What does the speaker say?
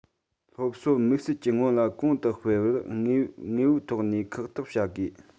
སློབ གསོ དམིགས བསལ གྱིས སྔོན ལ གོང དུ སྤེལ བར དངོས པོའི ཐོག ནས ཁག ཐེག བྱ དགོས